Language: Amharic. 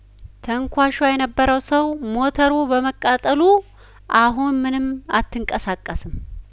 ተንኳሿ የነበረው ሰው ሞተሩ በመቃጠሉ አሁን ምንም አትንቀሳቀስ